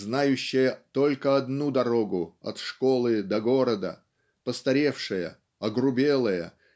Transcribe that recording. знающая только одну дорогу от школы до города постаревшая огрубелая